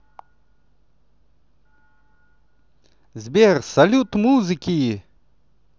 сбер салют музыки